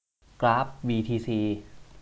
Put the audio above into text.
กราฟบีทีซี